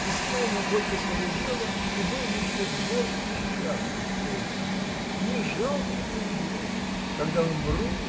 исполнил только свое дело и был еще горд и счастлив этим. Не жалкий ли удел? Когда умру